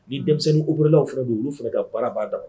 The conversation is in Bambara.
Ni denmisɛnnin koolilaww fana don olu fɛnɛ ka baaraba da